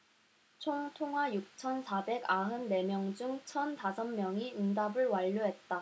총 통화 육천 사백 아흔 네 명 중 천 다섯 명이 응답을 완료했다